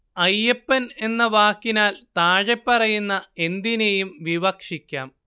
അയ്യപ്പന്‍ എന്ന വാക്കിനാല്‍ താഴെപ്പറയുന്ന എന്തിനേയും വിവക്ഷിക്കാം